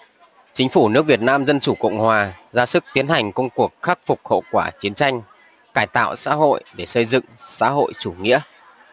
chính phủ nước việt nam dân chủ cộng hòa ra sức tiến hành công cuộc khắc phục hậu quả chiến tranh cải tạo xã hội để xây dựng xã xã hội chủ nghĩa